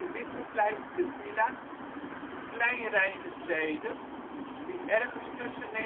witgepleisterde villa ' Klein Reinghesstede ' die ergens tussen